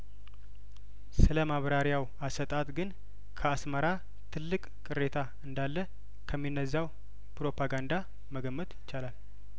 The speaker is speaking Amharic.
ስለማብራሪያው አሰጣጥ ግን ከአስመራ ትልቅ ቅሬታ እንዳለከሚ ነዛው ፕሮፓጋንዳ መገመት ይቻላል